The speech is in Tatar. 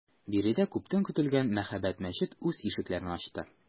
Биредә күптән көтелгән мәһабәт мәчет үз ишекләрен ачты.